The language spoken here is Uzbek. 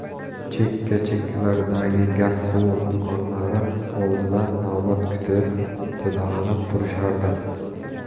chekka chekkalardagi gazsuv do'konlari oldida navbat kutib to'dalanib turishardi